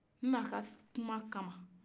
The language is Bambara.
na ka kuma kama